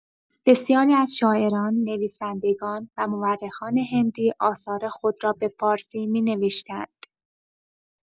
بسیاری از شاعران، نویسندگان و مورخان هندی آثار خود را به فارسی می‌نوشتند.